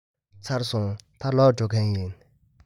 ཚར སོང ད ལོག འགྲོ མཁན ཡིན